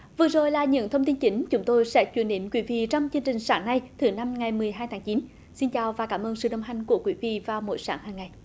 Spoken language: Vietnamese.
vừa rồi là những thông tin chỉnh chúng tôi sẽ chuyển đến quý vị trong chương trình sáng nay thứ năm ngày mười hai tháng chín xin chào và cảm ơn sự đồng hành của quý vị vào mỗi sáng hằng ngày